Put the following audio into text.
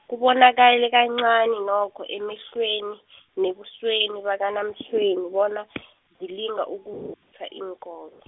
kubonakale kancani nokho emehlweni, nebusweni bakaNaMtshweni bona , zilinga ukuvuthwa iinkobe.